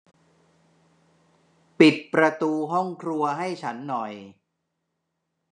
ปิดประตูห้องครัวให้ฉันหน่อย